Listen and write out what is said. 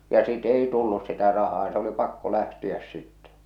ja sitten ei tullut sitä rahaa se oli pakko lähteä sitten